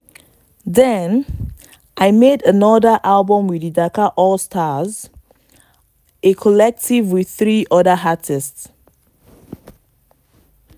Then, I made another album with the Dakar All Stars, a collective with 3 other artists.